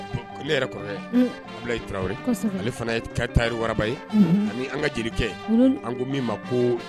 Ne yɛrɛ kɔrɔ bilayi tarawele ale fana ye tari wararaba ye ani an ka jelikɛ an ko min ma ko